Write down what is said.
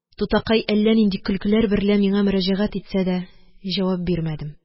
Тутакай әллә нинди көлкеләр берлә миңа мөрәҗәгать итсә дә җавап бирмәдем